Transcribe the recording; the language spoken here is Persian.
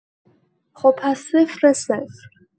خب پس صفر صفر.